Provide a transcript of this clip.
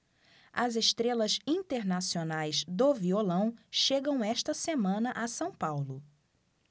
as estrelas internacionais do violão chegam esta semana a são paulo